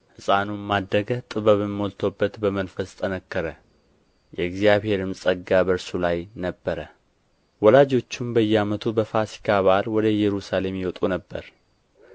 ሕፃኑም አደገ ጥበብም ሞልቶበት በመንፈስ ጠነከረ የእግዚአብሔርም ጸጋ በእርሱ ላይ ነበረ ወላጆቹም በያመቱ በፋሲካ በዓል ወደ ኢየሩሳሌም ይወጡ ነበር